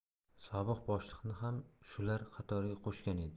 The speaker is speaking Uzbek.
sobiq boshliqni ham shular qatoriga qo'shgan edi